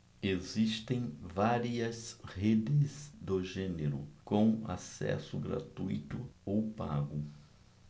existem várias redes do gênero com acesso gratuito ou pago